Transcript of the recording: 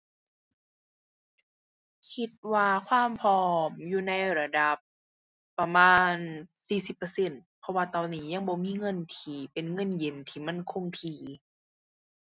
คิดว่าความพร้อมอยู่ในระดับประมาณสี่สิบเปอร์เซ็นต์ เพราะว่าตอนนี้ยังบ่มีเงินที่เป็นเงินเย็นที่มันคงที่